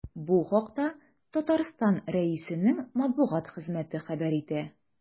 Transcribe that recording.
Бу хакта Татарстан Рәисенең матбугат хезмәте хәбәр итә.